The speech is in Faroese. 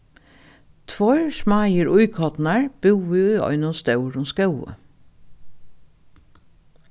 tveir smáir íkornar búðu í einum stórum skógi